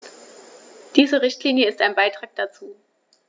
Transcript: Diese Richtlinie ist ein Beitrag dazu.